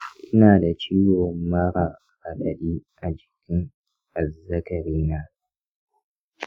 ina da ciwo mara raɗaɗi a jikin azzakarina.